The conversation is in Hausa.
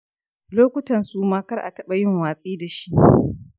lokutan suma kar a taɓa yin watsi da shi .